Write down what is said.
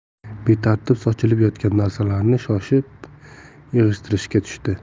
betartib sochilib yotgan narsalarni shoshib yig'ishtirishga tushdi